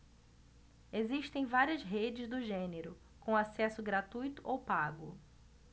existem várias redes do gênero com acesso gratuito ou pago